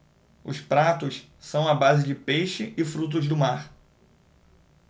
os pratos são à base de peixe e frutos do mar